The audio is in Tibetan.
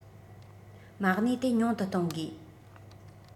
མ གནས དེ ཉུང དུ གཏོང དགོས